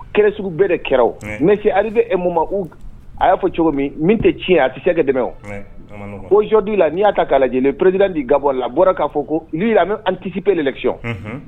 Kɛlɛ sugu bɛɛ de kɛla, oo ! Wɛ! Mais c'est arrivé un moment ou a y'a fɔ cogo min, min tɛ cɛn o ta tɛ se ka dɛmɛ o. Wɛ, a ma nɔgɔ. Aujourd'hui la n'i'a ta k'a lajɛ le président du Gabon là a bɔra k'a fɔ ko lui, il a même anticipé les élections . Unhun.